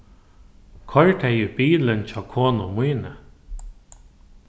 koyr tey í bilin hjá konu míni